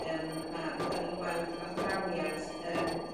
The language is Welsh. yym ma' 'dan ni'n gweld ardrawiad yym